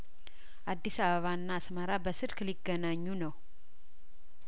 አዲስ አበባና አስመራ በስልክ ሊገናኙ ነው